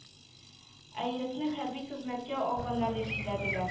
Ә ирекне хәрби хезмәткә алганнар дип сөйләде